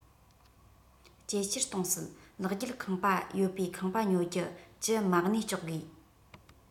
ཇེ ཆེར གཏོང སྲིད ལག བརྒྱུད ཁང པ ཡོད པའི ཁང བ ཉོ རྒྱུ གྱི མ གནས གཅོག དགོས